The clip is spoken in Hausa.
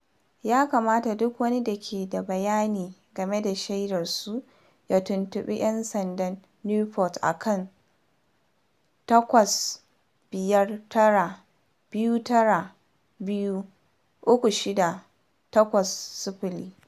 Ya kamata duk wani da ke da bayani game da shaidarsu ya tuntuɓi ‘yan sandan Newport a kan 859-292-3680.